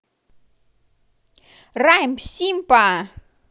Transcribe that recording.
райм симпа